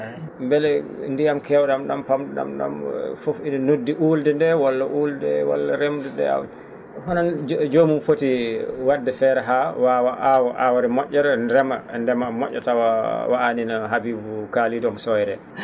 mbele ndiyam keew?am ?am fam?u?am ?am fof ene noddi uulde ndee walla uulde walla remdu?e hono joomum foti wa?de feere haa waawa aaw aawre mo??ere rema ndema mo??a tawa wa'aani no Habibou Kalidou omo soyree